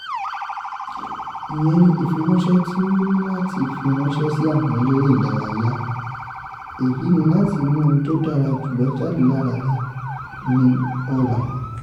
Ìyẹn ní ìfiránṣẹ́ tí o níláti fi ránṣẹ́ sí àwọn elérée ìdárayá, èyí ní láti mú ohun tó dára jùlọ jáde lára rẹ ní ọ̀la.